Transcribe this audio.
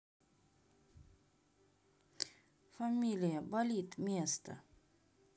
familia болит место